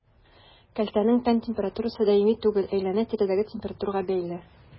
Кәлтәнең тән температурасы даими түгел, әйләнә-тирәдәге температурага бәйле.